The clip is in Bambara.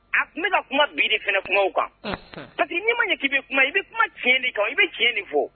A tun bɛna ka kuma biri fana kuma kan paki ɲɛi ma ɲɛ k'i bɛ kuma i bɛ kuma tiɲɛɲɛn nin kan i bɛ tiɲɛ nin fɔ